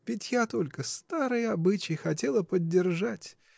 Ведь я только старый обычай хотела поддержать.